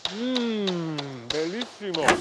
Mm belisimo!